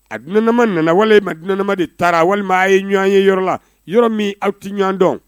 A dima nana walima dima de taara walima aw ye ɲɔgɔn ye yɔrɔ la yɔrɔ min aw tɛ ɲɔgɔn dɔn